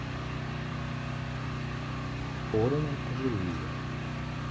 порно пожилые